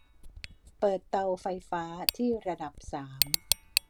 เปิดเตาไฟฟ้าที่ระดับสาม